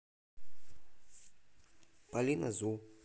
полина зу